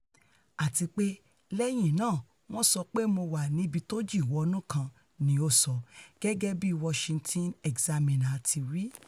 Àtipé lẹ́yìn náà wọn sọ pé Mo wà níbi tójìnwọnú kan, ní ó sọ, gẹ́gẹ́bí Washington Examiner ti wí.